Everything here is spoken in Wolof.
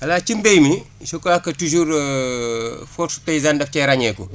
voilà ci mbéy mi je crois que toujours force paysane daf cee ràññeeku